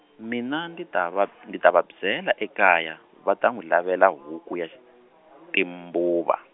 mina ndzi ta va, ndzi ta va byela ekaya, va ta n'wi lavela huku ya xi, timbuva.